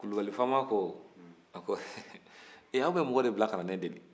kulubali faama ko e aw bɛ mɔgɔ de bila ka na ne deeli